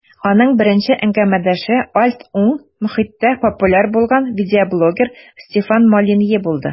Аның беренче әңгәмәдәше "альт-уң" мохиттә популяр булган видеоблогер Стефан Молинье булды.